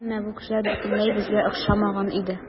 Әмма бу кешеләр бөтенләй безгә охшамаган иде.